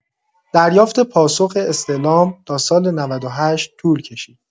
دریافت پاسخ استعلام تا سال ۹۸ طول کشید.